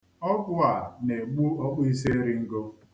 Ọgwụ a na-egbu ọkpụisieringo.